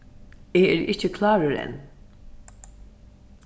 eg eri ikki klárur enn